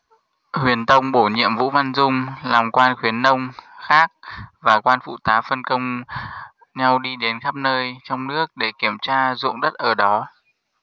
huyền tông bổ nhiệm vũ văn dung làm quan khuyến nông khác và quan phụ tá phân công nhau đi đến khắp nơi trong nước để kiểm tra ruộng đất ở đó